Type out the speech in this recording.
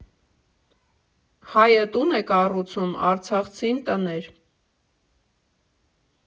Հայը տուն է կառուցում, արցախցին՝ տներ։